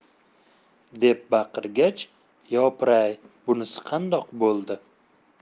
deb baqirgach yopiray bunisi qandoq bo'ldi